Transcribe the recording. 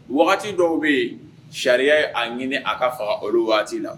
Wagati dɔw bɛ yen, sariya ye a ɲini a ka faga olu waati la